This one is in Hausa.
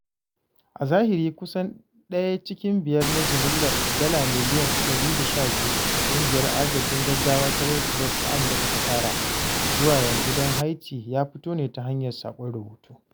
A zahiri, kusan ɗaya cikin biyar na jimillar dala miliyan $112 da Ƙungiyar Agajin Gaggawa ta Red Cross ta Amurka ta tara zuwa yanzu don Haiti ya fito ne ta hanyar saƙon rubutu.